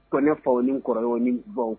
Tɔn fa ni kɔrɔɲɔgɔnɔni baw